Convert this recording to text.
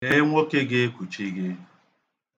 Lee nwoke ga-ekuchi gị.